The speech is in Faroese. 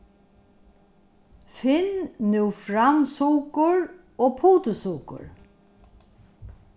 finn nú fram sukur og putursukur